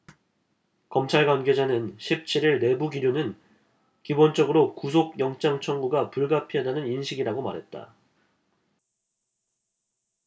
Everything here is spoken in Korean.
검찰 관계자는 십 칠 일 내부 기류는 기본적으로 구속영장 청구가 불가피하다는 인식이라고 말했다